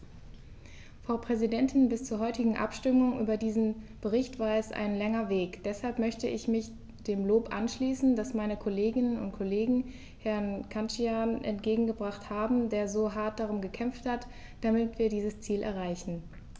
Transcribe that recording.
Frau Präsidentin, bis zur heutigen Abstimmung über diesen Bericht war es ein langer Weg, deshalb möchte ich mich dem Lob anschließen, das meine Kolleginnen und Kollegen Herrn Cancian entgegengebracht haben, der so hart darum gekämpft hat, damit wir dieses Ziel erreichen.